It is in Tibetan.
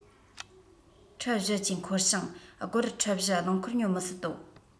ཁྲི ༤ ཀྱི འཁོར བྱང སྒོར ཁྲི ༤ རླངས འཁོར ཉོ མི སྲིད དོ